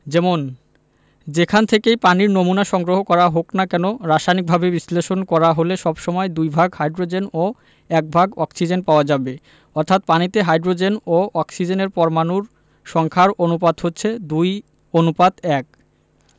যেমন যেখান থেকেই পানির নমুনা সংগ্রহ করা হোক না কেন রাসায়নিকভাবে বিশ্লেষণ করা হলে সব সময় দুই ভাগ হাইড্রোজেন ও এক ভাগ অক্সিজেন পাওয়া যাবে অর্থাৎ পানিতে হাইড্রোজেন ও অক্সিজেনের পরমাণুর সংখ্যার অনুপাত হচ্ছে ২ঃ ১